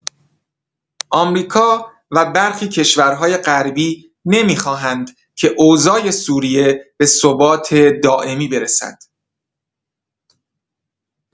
آمریکا و برخی کشورهای غربی نمی‌خواهند که اوضاع سوریه به ثبات دائمی برسد.